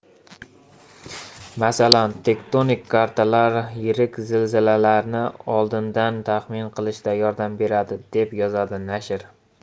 masalan tektonik kartalar yirik zilzilalarni oldindan taxmin qilishda yordam beradi deb yozadi nashr